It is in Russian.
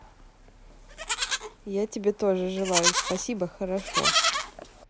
я тебе тоже желаю спасибо хорошо